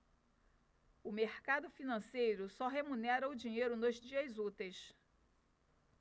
o mercado financeiro só remunera o dinheiro nos dias úteis